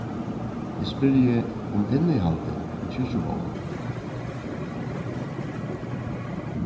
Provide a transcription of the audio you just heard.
eg spyrji um innihaldið í kirkjubókum